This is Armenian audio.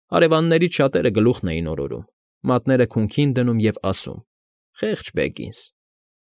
Հարևաններից շատերը գլուխներն էին օրորում, մատները քունքին դնում ու ասում. «Խե՜ղճ Բեգինս»։